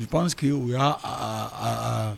Je pense que o y'a a a a a